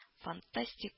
Фантастик